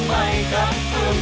ta